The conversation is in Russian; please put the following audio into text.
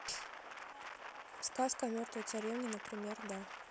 сказка о мертвой царевне например да